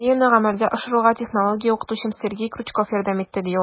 Идеяне гамәлгә ашыруга технология укытучым Сергей Крючков ярдәм итте, - ди ул.